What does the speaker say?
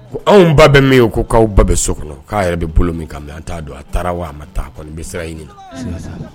Ko anw ba bɛ min? u ko k'aw ba bɛ so kɔnɔ, k'a yɛrɛ bɛ bolo min kan mais an t'a don ,a taara wa? a ma taa a koni bɛ siran ɲini na.